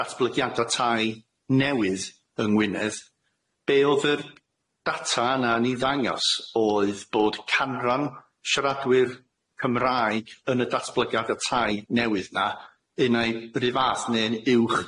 datblygiada tai newydd yng Ngwynedd be' odd yr data yna yn ei ddangos oedd bod canran siaradwyr Cymraeg yn y datblygiada tai newydd na unai ryw fath ne'n uwch